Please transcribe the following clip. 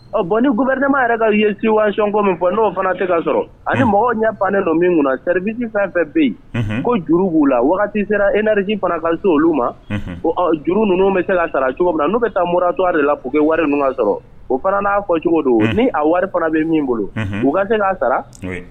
Ɔ bɔn nibaja yɛrɛ ka ye sicko min fɔ n'o fana tɛ ka sɔrɔ ani mɔgɔ ɲɛ bannen don min kunna caribisi fɛn fɛn bɛ yen ko juru b'u la wagati sera e nareji fana kan so olu ma juru ninnu bɛ se ka sara cogo min na n'u bɛ taa m to de la k'o kɛ wari sɔrɔ o fana n'a fɔ cogo don ni a wari fana bɛ min bolo'a sara